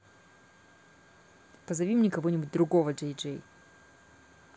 позови мне кого нибудь другого jj